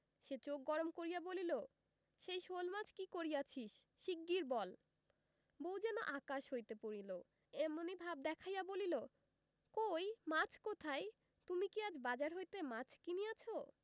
সে চোখ গরম করিয়া বলিল সেই শোলমাছ কি করিয়াছি শীগগীর বল বউ যেন আকাশ হইতে পড়িল এমনি ভাব দেখাইয়া বলিল কই মাছ কোথায় তুমি কি আজ বাজার হইতে মাছ কিনিয়াছ